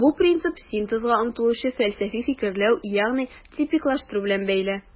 Бу принцип синтезга омтылучы фәлсәфи фикерләү, ягъни типиклаштыру белән бәйле.